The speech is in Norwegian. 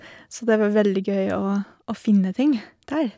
Så det var veldig gøy å å finne ting der.